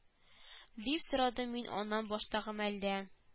Дип сорадым мин аннан баштагы мәлдә